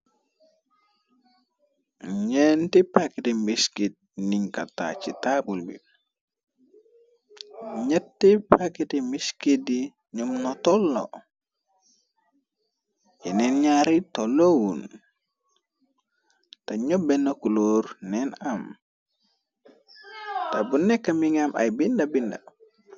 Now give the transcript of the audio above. Ñénti paketti biskit ñing ko taj ci tabull bi, ñetti paketti biskit yi ñu tollo yenen ñaari yi tollo wuñ, tè ñab benna kulor lèèn am, tè bu nèkka mugii am ay bindé bindé.